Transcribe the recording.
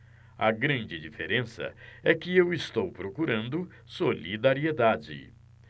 a grande diferença é que eu estou procurando solidariedade